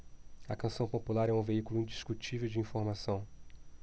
a canção popular é um veículo indiscutível de informação